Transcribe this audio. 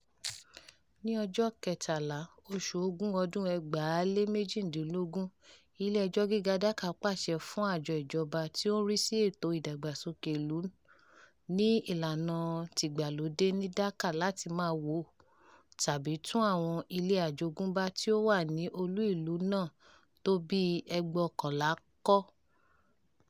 Ní ọjọ́ 13, oṣù Ògún ọdún-un 2018, Ilé-ẹjọ́ Gíga Dhaka pàṣẹ fún àjọ ìjọba tí ó ń rí sí ètò ìdàgbàsókè ìlú ní ìlànà tìgbàlódé ní Dhaka láti máà wó tàbí tún àwọn ilé àjogúnbá tí ó wà ní olú-ìlú náà tó bíi 2,200 kọ́.